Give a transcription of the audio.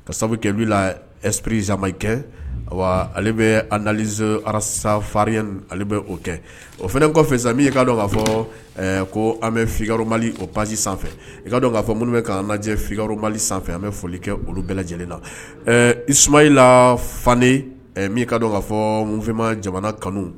Ka sabu kɛ epri zamari kɛ ale bɛ nanz zsafa ale bɛ' kɛ o fana kɔfɛ sisan kaa dɔn'a fɔ ko an bɛma pa sanfɛ ka k'a fɔ minnu bɛ an lajɛma sanfɛ an bɛ folili kɛ olu bɛɛ lajɛlen na i suma i la fa ka k'a fɔ munfinma jamana kanu